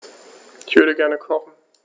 Ich würde gerne kochen.